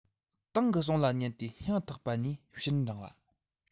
ཏང གི གསུང ལ ཉན ཏེ སྙིང ཐག པ ནས ཕྱིར འབྲང བ